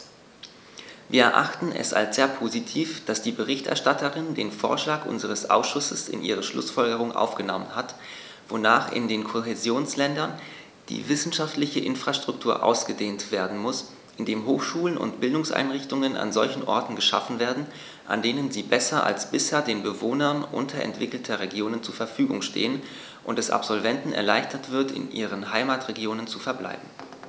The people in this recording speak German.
Wir erachten es als sehr positiv, dass die Berichterstatterin den Vorschlag unseres Ausschusses in ihre Schlußfolgerungen aufgenommen hat, wonach in den Kohäsionsländern die wissenschaftliche Infrastruktur ausgedehnt werden muss, indem Hochschulen und Bildungseinrichtungen an solchen Orten geschaffen werden, an denen sie besser als bisher den Bewohnern unterentwickelter Regionen zur Verfügung stehen, und es Absolventen erleichtert wird, in ihren Heimatregionen zu verbleiben.